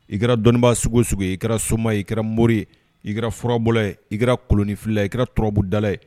I kɛra dɔnnibaa suguye suguye, i kɛra soma ye, i kɛra mori ye, i kɛra furabɔla ye, i kɛra koloninfila ye, i kɛra turabudala ye